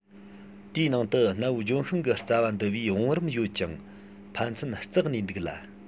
དེའི ནང དུ གནའ བོའི ལྗོན ཤིང གི རྩ བ འདུ བའི བང རིམ ཡོད ཅིང ཕན ཚུན རྩེགས ནས འདུག ལ